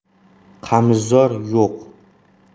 qamishzor yo'q